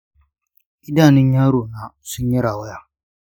idanun yaro na sun yi rawaya.